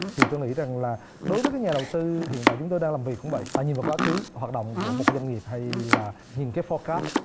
thì tôi nghĩ rằng là đối với các nhà đầu tư hiện tại chúng tôi đang làm việc cũng vậy họ nhìn vào quá khứ hoạt động của một doanh nghiệp hay là nhìn cái pho cát